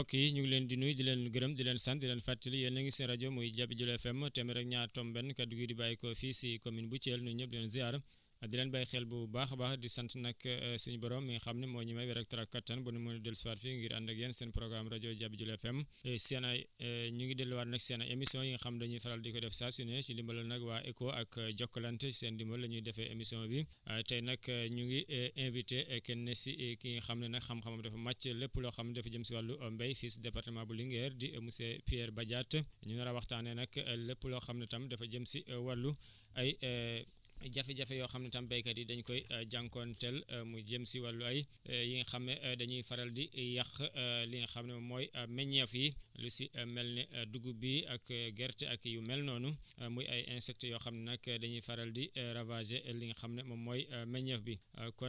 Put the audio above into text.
mbokk yi énu ngi leen di nuyu di leen gërëm di leen sant di lee fàttali yéen a ngi seen rajo muy Jabi Jula FM téeméer ak ñaar tomb benn kaddu gi di bàyyeekoo fii si commune bu Thièl nuyu ñëpp di leen ziar di leen bàyyi xel bu baax a baax di sant nag suñu borom mi nga xam ne moo ñu may wér ak tan ak kattan ba ñu mën dellusiwaat fii ngir ànd ak yéen seen programme rajo Jabi Jula FM seen ay ñu ngi delluwaat nag seen émission yi nga xam dañuy faral di ko def saa su ne si ndimbalal nag waa ECHO ak Jokalante seen ndimbal la ñuy defee émission bi tey nag ñu ngi inviter kenn si ki nga xam ne nag xam-xamam dafa màcc lépp loo xam dafa jëm si wàllu mbéy fii si département bu Linguère di monsieur Pierre Badiate ñu nar a waxtaanee nag lépp loo xam ne tam dafa jëm si wàllu ay jafe-jafe yoo xam ne tam béykat yi dañu koy jànkuwanteel mu jëm si wàllu ay yi nga xam ne dañuy faral di yàq li nga xam ne mooy meññeef yi lu si mel ne dugub bi ak gerte ak yu mel noonu muy ay insectes yoo xam ne nag dañuy faral di ravager li nga xam ne moom mooy meññeef bi